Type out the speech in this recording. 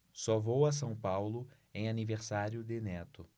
só vou a são paulo em aniversário de neto